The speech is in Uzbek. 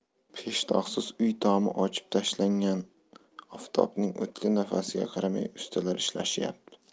peshtoqsiz uy tomi ochib tashlangan oftobning o'tli nafasiga qaramay ustalar ishlashyapti